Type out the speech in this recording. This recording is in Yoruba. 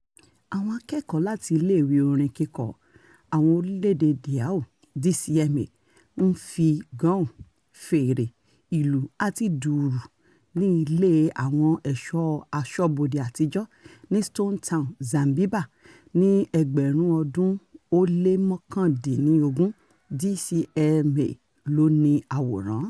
Àwọn akẹ́kọ̀ọ́ láti Iléèwé Orin kíkọ Àwọn Orílẹ̀-èdèe Dhow (DCMA) ń fi qanun, fèrè, ìlù àti dùrù ní Ilé Àwọn Ẹ̀ṣọ́ Aṣọ́bodè Àtijọ́, ní Stone Town, Zanzibar, 2019. DCMA ló ni àwòrán.